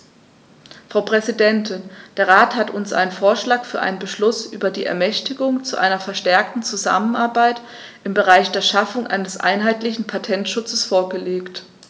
Frau Präsidentin, der Rat hat uns einen Vorschlag für einen Beschluss über die Ermächtigung zu einer verstärkten Zusammenarbeit im Bereich der Schaffung eines einheitlichen Patentschutzes vorgelegt.